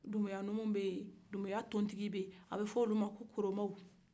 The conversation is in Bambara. bumbuyanumu bɛ yen dumbuya tontigi bɛ yen a bɛ fɔ olu ma ko koromaaw